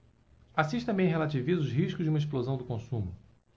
assis também relativiza os riscos de uma explosão do consumo